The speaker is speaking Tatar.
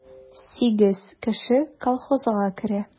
Сигез кеше колхозга керә.